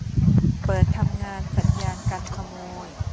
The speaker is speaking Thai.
เปิดทำงานสัญญาณกันขโมย